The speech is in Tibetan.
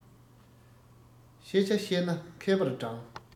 ཤེས བྱ ཤེས ན མཁས པར བགྲང